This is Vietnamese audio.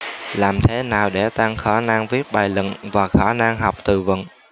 làm thế nào để tăng khả năng viết bài luận và khả năng học từ vựng